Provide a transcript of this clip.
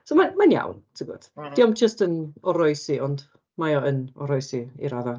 So mae mae'n iawn ti'n gwybod. Dio'm jyst yn oroesi, ond mae o yn oroesi i raddau.